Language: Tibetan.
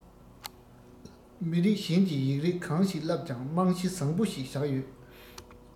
མི རིགས གཞན གྱི ཡིག རིགས གང ཞིག བསླབ ཀྱང རྨང གཞི བཟང བོ ཞིག བཞག ཡོད